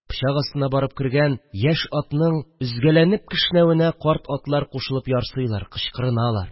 Пычак астына барып кергән яшь атның өзгәләнеп кешнәвенә карт атлар кушылып ярсыйлар, кычкырыналар